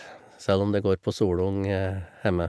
Selv om det går på solung hjemme.